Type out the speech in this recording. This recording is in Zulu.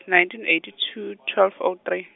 nineteen eighty two, twelve oh three.